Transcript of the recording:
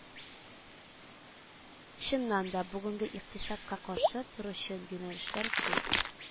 Чыннан да, бүгенге икътисадка каршы торучы юнәлешләр күп